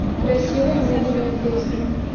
красивая медленная песня